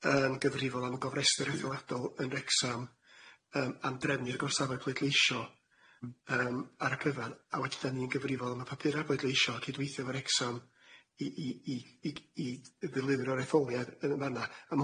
yym gyfrifol am y gofrester etholiadol yn Wrecsam yym am drefnu'r gorsafodd pleidleisio yym ar y cryfan a wedyn dan ni'n gyfrifol am y papura' pleidleisio cydweithio efo'r Wrecsam i i i i i ddilifrio'r etholiad yn yn fan'na a ma'